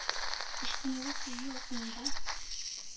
Ашкынулы сөю ялкынында